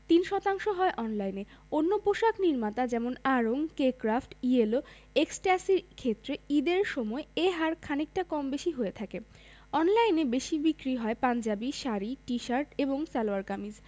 ৩ শতাংশ হয় অনলাইনে অন্য পোশাক নির্মাতা যেমন আড়ং কে ক্র্যাফট ইয়েলো এক্সট্যাসির ক্ষেত্রে ঈদের সময় এ হার খানিকটা কম বেশি হয়ে থাকে অনলাইনে বেশি বিক্রি হয় পাঞ্জাবি শাড়ি টি শার্ট এবং সালোয়ার কামিজ